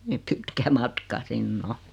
niin niin pitkä matka sinne on